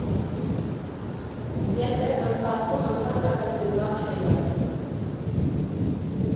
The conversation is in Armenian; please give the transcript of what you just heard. Ես էդ ընթացքում ընդհանրապես մի բառ չէի ասել։